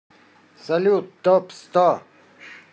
салют топ сто